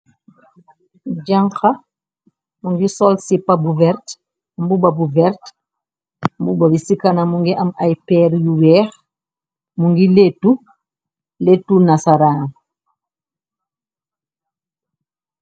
Janxa mugii sol sipá bu werta mbuba bu werta. Mbuba bi ci kanam mugii am ay péér yu wèèx. Mugii lèttu, lèttu nasaran.